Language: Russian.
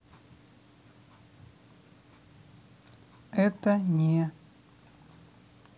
это не